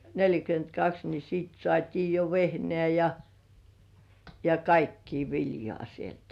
neljäkymmentäkaksi niin sitten saatiin jo vehnää ja ja kaikkea viljaa sieltä